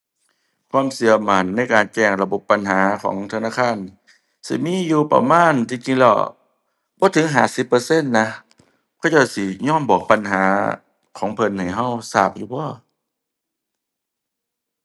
ความเชื่อมั่นในการแก้ระบบปัญหาของธนาคาร สิมีอยู่ประมาณ ที่จริงแล้ว บ่ถึงห้าสิบเปอร์เซ็นต์นะ เขาเจ้าสิยอมบอกปัญหาของเพิ่นให้เชื่อทราบอยู่บ่